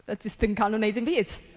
Jyst dim cael nhw wneud dim byd.